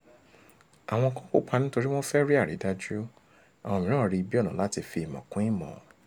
Àwọn kan kópa nítorí wọ́n fẹ́ rí àrídájú; àwọn mìíràn rí i bí ọ̀nà láti fi ìmọ̀ kún ìmọ̀.